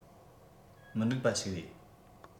མི འགྲིག པ ཞིག རེད